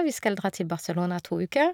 Vi skal dra til Barcelona to uker.